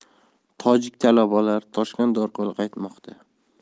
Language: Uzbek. tojik talabalari toshkent orqali qaytmoqda